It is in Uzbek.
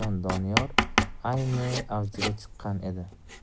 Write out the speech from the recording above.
doniyor ayni avjiga chiqqan edi